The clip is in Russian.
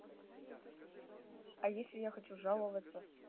а если я хочу жаловаться